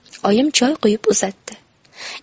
oyim choy quyib uzatdi